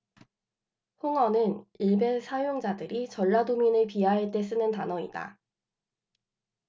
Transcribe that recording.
홍어는 일베 사용자들이 전라도민들을 비하할 때 쓰는 단어이다